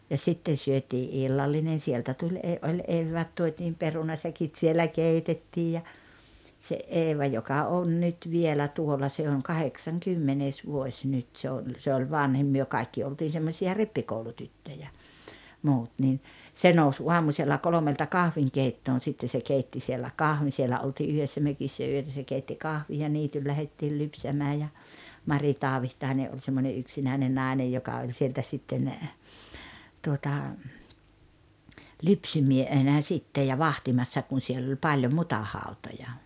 ja sitten syötiin illallinen sieltä tuli ei oli eväät tuotiin perunasäkit siellä keitettiin ja se Eeva joka on nyt vielä tuolla se on kahdeksaskymmenes vuosi nyt se oli se oli vanhin me kaikki oltiin semmoisia rippikoulutyttöjä muut niin se nousi aamusella kolmelta kahvinkeittoon sitten se keitti siellä kahvin siellä oltiin yhdessä mökissä yötä se keitti kahvin ja niitylle lähdettiin lypsämään ja Mari Taavitsainen oli semmoinen yksinäinen nainen joka oli sieltä sitten tuota lypsymiehenä sitten ja vahtimassa kun siellä oli paljon mutahautoja